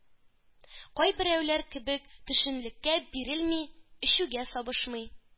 Кайберәүләр кебек төшенкелеккә бирелми, эчүгә сабышмый.